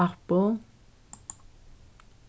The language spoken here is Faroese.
apple